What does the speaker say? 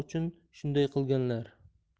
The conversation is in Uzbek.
uchun shunday qilganlar